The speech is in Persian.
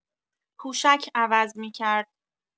پوشک عوض می‌کرد.